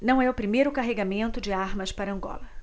não é o primeiro carregamento de armas para angola